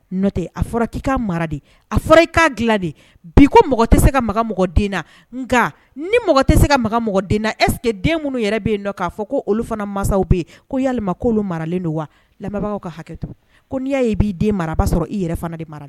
Ntɛ a fɔra k'i ka mara de a fɔra i ka dila de bi ko mɔgɔ tɛ se ka mɔgɔ den nka ni mɔgɔ tɛ se ka mɔgɔ den esseke den minnu yɛrɛ bɛ yen'a fɔ ko olu fana masaw bɛ yen ko ya ko maralen don wa ka hakɛ ko n'i y'a b'i den mara a b'a sɔrɔ i yɛrɛ fana de mara